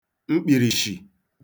mkpìrìshì